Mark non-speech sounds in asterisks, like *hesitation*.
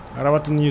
*hesitation* *hesitation*